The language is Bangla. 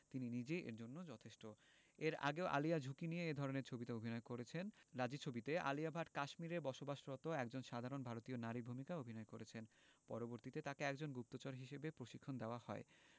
তিনি নিজেই এর জন্য যথেষ্ট এর আগেও আলিয়া ঝুঁকি নিয়ে এ ধরনের ছবিতে অভিনয় করেছেন রাজী ছবিতে আলিয়া ভাট কাশ্মীরে বসবাসরত একজন সাধারন ভারতীয় নারীর ভূমিকায় অভিনয় করেছেন পরবর্তীতে তাকে একজন গুপ্তচর হিসেবে প্রশিক্ষণ দেওয়া হয়